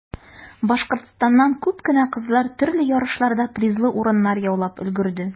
Башкортстаннан күп кенә кызлар төрле ярышларда призлы урыннар яулап өлгерде.